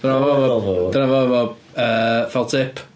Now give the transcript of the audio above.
Dyna fo dyna fo efo yy felt tip.